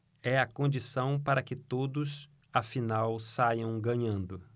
é a condição para que todos afinal saiam ganhando